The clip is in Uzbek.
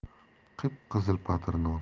qip qizil patir non